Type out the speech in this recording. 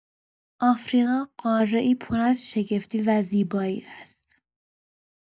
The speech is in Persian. آفریقا، قاره‌ای پر از شگفتی و زیبایی است.